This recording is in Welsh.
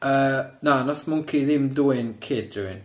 Yy na, wnaeth mwnci ddim dwyn kid rhywun.